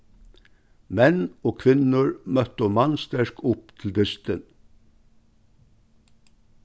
menn og kvinnur møttu mannsterk upp til dystin